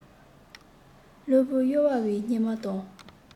རླུང བུས གཡོ བའི སྙེ མ དང